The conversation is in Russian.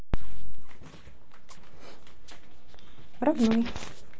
родной